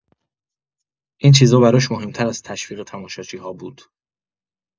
این چیزا براش مهم‌تر از تشویق تماشاچی‌ها بود.